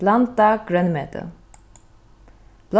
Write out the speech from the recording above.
blandað grønmeti